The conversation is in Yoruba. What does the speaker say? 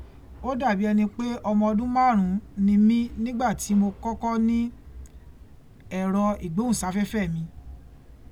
Ó dà bí ẹni pé ọmọ ọdún márùn ún ni mí nígbà tí mo kọ́kọ́ ní ẹ̀rọ ìgbóhùnsáfẹ́fẹ́ẹ̀ mi.